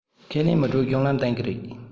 ཁས ལེན མི བགྲོད གཞུང ལམ སྟེང གི རེད